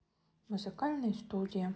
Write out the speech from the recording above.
музыкальные студии